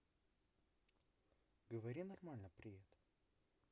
говори нормально привет